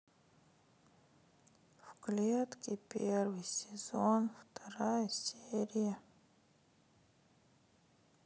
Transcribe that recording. в клетке первый сезон вторая серия